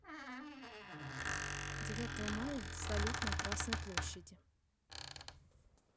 девятого мая салют на красной площади